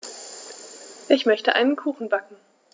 Ich möchte einen Kuchen backen.